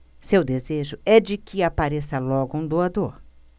seu desejo é de que apareça logo um doador